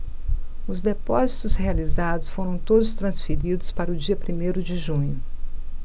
os depósitos realizados foram todos transferidos para o dia primeiro de junho